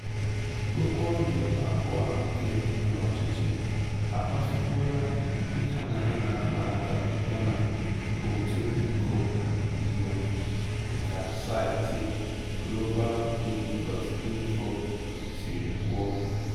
Okwu ọnụ abụọ a nke ndị nọ n'ọchịchị akpasukwuola ndị ha na ha na-ama aka yana òtù ndị nke obodo iwe, dị ka saịti globalguinee.info siri kwuo: